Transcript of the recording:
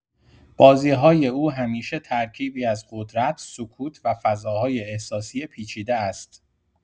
بازی‌های او همیشه ترکیبی از قدرت، سکوت و فضاهای احساسی پیچیده است.